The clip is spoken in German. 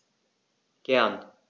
Gern.